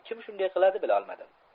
kim shunday qiladi bilolmadim